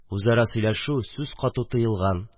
Үзара сөйләшү, сүз кату тыелган.